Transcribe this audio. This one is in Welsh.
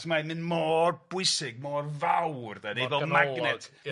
So mae'n mynd mor bwysig, mor fawr 'de, neu fel magnet... Mor ganolog Ia.